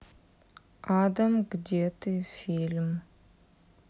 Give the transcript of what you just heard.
адам где ты фильм